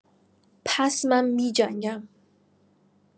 پس من می‌جنگم.